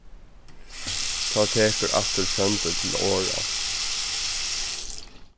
tá tekur aftur tróndur til orða